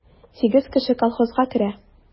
Сигез кеше колхозга керә.